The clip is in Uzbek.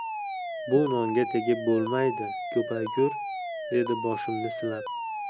bu nonga tegib bo'lmaydi ko'paygur dedi boshimni silab